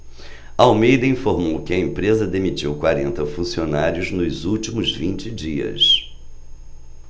almeida informou que a empresa demitiu quarenta funcionários nos últimos vinte dias